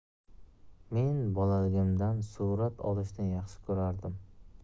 men bolaligimdan surat olishni yaxshi ko'rardim